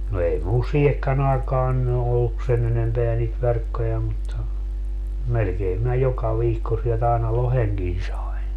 no ei minulla siihenkään aikaan nyt ollut sen enempää niitä verkkoja mutta melkein minä joka viikko sieltä aina lohenkin sain